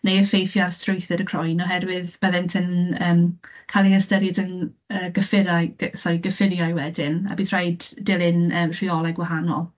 Neu effeithio ar strwythur y croen, oherwydd byddent yn yym cael eu ystyried yn yy gyffurau de- sori gyffuriau wedyn, a bydd rhaid dilyn, yym, rheolau gwahanol.